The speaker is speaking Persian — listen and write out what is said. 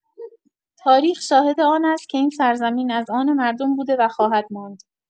تاریخ شاهد آن است که این سرزمین از آن مردم بوده و خواهد ماند.